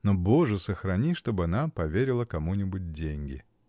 Но Боже сохрани, чтоб она поверила кому-нибудь деньги.